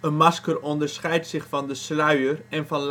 masker onderscheidt zich van de sluier en van